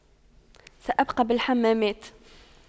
سأبقى بالحمامات